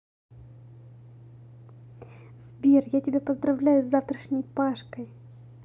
сбер я тебя поздравляю с завтрашней пашкой